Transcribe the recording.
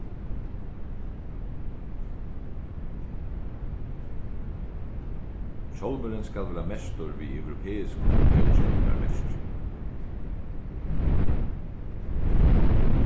hjálmurin skal vera merktur við europeiskum góðkenningarmerki